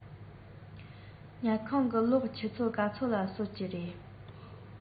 ཉལ ཁང གི གློག ཆུ ཚོད ག ཚོད ལ གསོད ཀྱི རེད